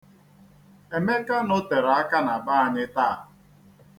Emeka notere aka na be anyị taa.